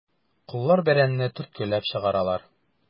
Коллар бәрәнне төрткәләп чыгаралар.